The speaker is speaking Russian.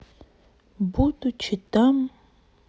будучи там